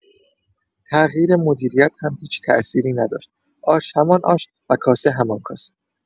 تغییر مدیریت هم هیچ تاثیری نداشت، آش همان آش و کاسه همان کاسه!